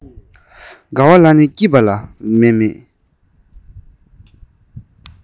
དགའ བ ལ ནི སྐྱིད པ ལ མཱེ མཱེ